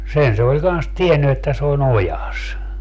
sen se oli kanssa tiennyt että se on ojassa